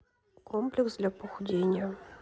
комплекс для похудения